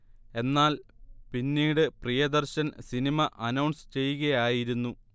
എന്നാൽ പിന്നീട് Priyadarshan cinema announce ചെയ്കയായിരുന്നു